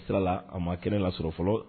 Sira a ma kɛnɛ lasɔrɔ fɔlɔ